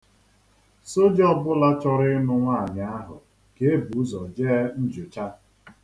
Soja ọbụla chọrọ ịlụ nwaanyị ahụ ga-ebu ụzọ jee njụcha.